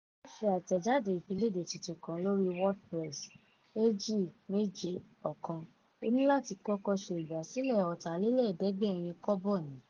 Bí o bá fẹ́ ṣe àtẹ̀jáde ìfiléde tuntun kan lórí WordPress (2.7.1), ó ní láti kọ́kọ́ ṣe ìgbàsílẹ̀ 750kb ná.